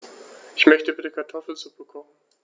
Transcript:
Ich möchte bitte Kartoffelsuppe kochen.